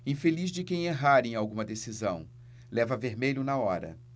infeliz de quem errar em alguma decisão leva vermelho na hora